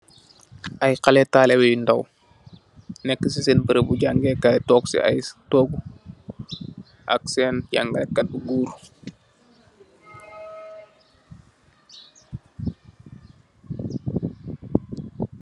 Aye kalle tallibeh you ndow nekke cen berrebou jangekaye ak cen jangal kat